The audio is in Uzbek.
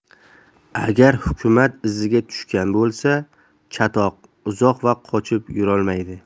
agar hukumat iziga tushgan bo'lsa chatoq uzoq vaqt qochib yurolmaydi